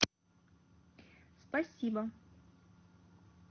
спосибо